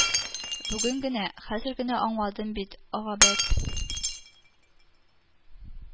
Бүген генә, хәзер генә аңладым бит, Агабәк